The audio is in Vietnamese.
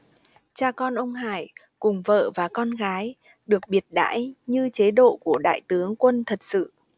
cha con ông hải cùng vợ và con gái được biệt đãi như chế độ của đại tướng quân thật sự